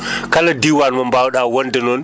kala diiwaan mbo mbaawɗaa wonde ɗoon